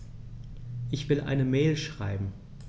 Ich will eine Mail schreiben.